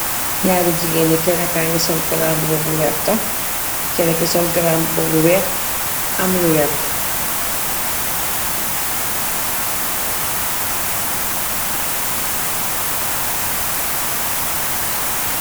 Ñaari gigeen ñgi, Kenna ka ngi sol garambubu bu werta, Kenna ki sol garambubu bu wèèx am lu werta.